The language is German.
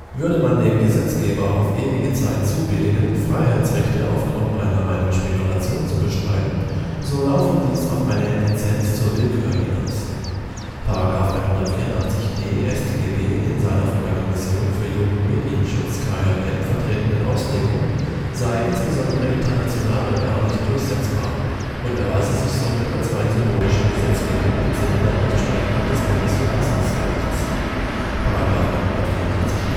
Würde man dem Gesetzgeber auf ewige Zeit zubilligen, Freiheitsrechte auf Grund einer reinen Spekulation zu beschneiden, so laufe dies auf eine " Lizenz zur Willkür " hinaus. § 184d StGB in seiner von der Kommission für Jugendmedienschutz (KJM) vertretenen Auslegung sei insbesondere international gar nicht durchsetzbar und erweise sich somit als rein symbolische Gesetzgebung im Sinne der Rechtsprechung des Bundesverfassungsgerichts. § 184d